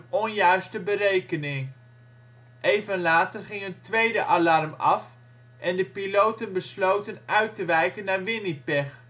onjuiste berekening). Even later ging een tweede alarm af en de piloten besloten uit te wijken naar Winnipeg